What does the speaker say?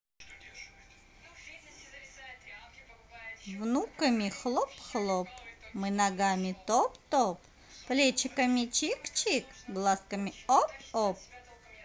внуками хлоп хлоп мы ногами топ топ плечиками чикчик глазками оп оп